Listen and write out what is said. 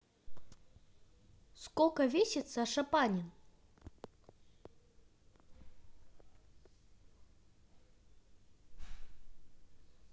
сколько весит саша панин